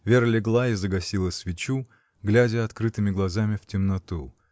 Вера легла и загасила свечу, глядя открытыми глазами в темноту.